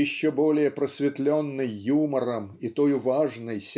еще более просветленной юмором и тою важной